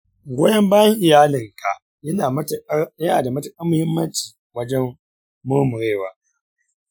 goyon bayan iyalinka yana da matuƙar muhimmanci wajen murmurewa.